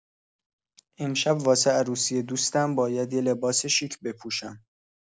امشب واسه عروسی دوستم باید یه لباس شیک بپوشم.